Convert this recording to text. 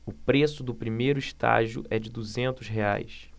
o preço do primeiro estágio é de duzentos reais